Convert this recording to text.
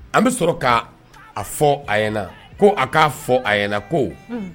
An bɛ sɔrɔ ka a fɔ a ɲɛna ko a k'a fɔ a ɲɛna ko